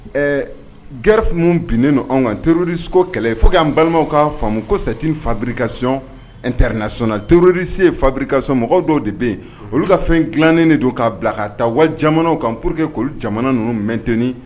Ɛ garif binnen kan triso kɛlɛ fo y'an balimaw ka faamumu ko sati fabiri kasɔn n terir natina torisi fabirikasɔnmɔgɔw dɔw de bɛ yen olu ka fɛn dilannen de don k'a bila ka taa wa jamana ka pur que kulu jamana ninnu mɛnten